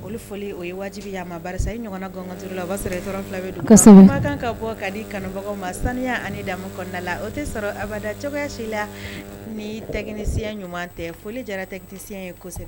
Foli foli o ye wajibi y'a ma barisa ye ɲɔgɔnna gɔngɔndurula o b'a sɔrɔ i ntɔrɔn fila bɛ duguma, kosɛbɛ, kumakan ka bɔ k'a di kanubagaw ma saniya ani damu kɔnɔna la o tɛ sɔrɔ abada cogoya si la ni technicien ɲuman tɛ foli diyara technicien ye kosɛbɛ